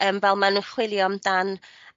yym fel ma'n n'w chwilio amdan